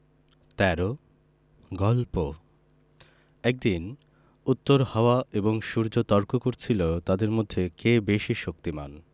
১৩ গল্প একদিন উত্তর হাওয়া এবং সূর্য তর্ক করছিল তাদের মধ্যে কে বেশি শক্তিমান